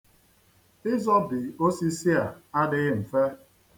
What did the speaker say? Izobi osisi a adighi mfe.